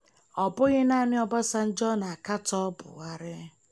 Ọ bụghị naanị Obasanjo na-akatọ Buhari.